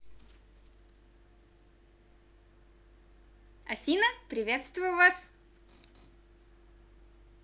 афина приветствую вас